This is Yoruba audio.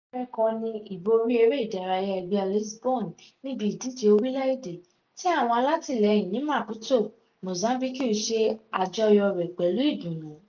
Àpẹẹrẹ kan ni ìborí Eré ìdárayá ẹgbẹ́ Lisbon níbi ìdíje orílẹ̀-èdè, tí àwọn alátìlẹyìn ní Maputo (Mozambique) ṣe àjọyọ̀ rẹ̀ pẹ̀lú ìdùnnú.